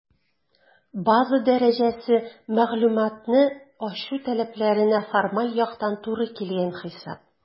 «база дәрәҗәсе» - мәгълүматны ачу таләпләренә формаль яктан туры килгән хисап.